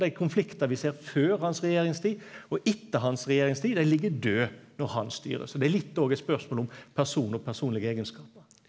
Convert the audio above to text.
dei konfliktane vi ser før hans regjeringstid og etter hans regjeringstid dei ligg daude når han styrer, så det er litt og eit spørsmål om person og personlege eigenskapar.